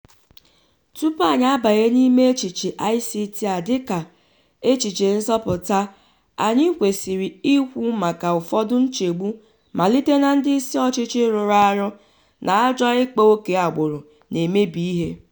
Tupu anyị abanye n'ime echiche ICT a dịka "echiche nzọpụta" anyị kwesịrị ịkwụ maka ụfọdụ nchegbu, malite na ndị ịsị ọchịchị rụrụ arụ na ajọ ikpa ókè agbụrụ na-emebi ihe.